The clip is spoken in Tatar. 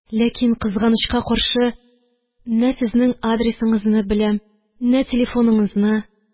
Ләкин, кызганычка каршы , нә сезнең адресыңызны беләм, нә телефоныңызны...